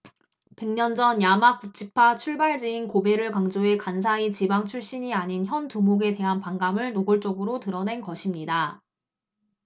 백 년 전 야마구치파 출발지인 고베를 강조해 간사이 지방 출신이 아닌 현 두목에 대한 반감을 노골적으로 드러낸 것입니다